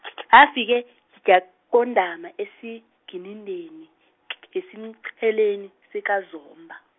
yafike, yaqondama esiginindeni, ngesinceleni, sikaZomba.